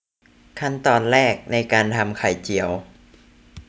ขั้นตอนแรกในการทำไข่เจียว